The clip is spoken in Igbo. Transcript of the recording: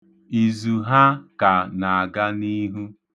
Izu ha ka na-aga n'ihu.